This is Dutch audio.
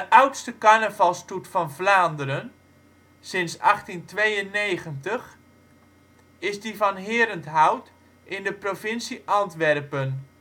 oudste carnavalsstoet van Vlaanderen (sinds 1892) is die van Herenthout in de provincie Antwerpen